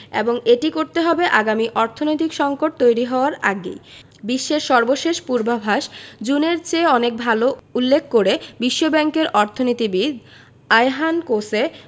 এবং এটি করতে হবে আগামী অর্থনৈতিক সংকট তৈরি হওয়ার আগেই বিশ্বের সর্বশেষ পূর্বাভাস জুনের চেয়ে অনেক ভালো উল্লেখ করে বিশ্বব্যাংকের অর্থনীতিবিদ আয়হান কোসে